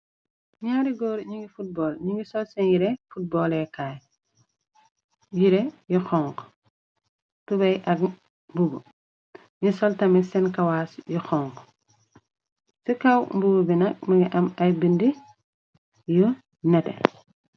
Ñaari góor ñingi futbool ni ngi sol seen yire futbooleekaa yire yu xong tubey ak bub ñi soltami seen kawaas yu xonk ci kaw mbub bi nag mëngi am ay bind yu neteh.